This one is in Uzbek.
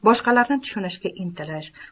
boshqalarni tushunishga nitilish